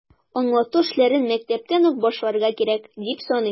Аңлату эшләрен мәктәптән үк башларга кирәк, дип саныйм.